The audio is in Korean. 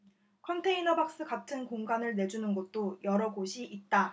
컨테이너 박스 같은 공간을 내주는 곳도 여러 곳이 있다